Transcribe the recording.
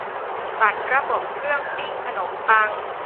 ตัดระบบเครื่องปิ้งขนมปัง